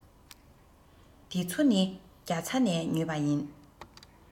འདི ཚོ ནི རྒྱ ཚ ནས ཉོས པ ཡིན